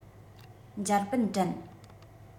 འཇར པན དྲན